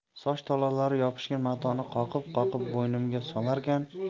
soch tolalari yopishgan matoni qoqib qoqib bo'ynimga solarkan